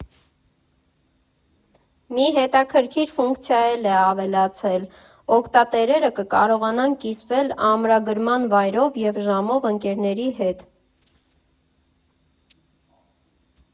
Մի հետաքրքիր ֆունկցիա էլ է ավելացել՝ օգտատերերը կկարողանան կիսվել ամրագրման վայրով և ժամով ընկերների հետ։